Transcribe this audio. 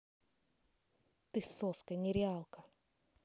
ты соска нереалка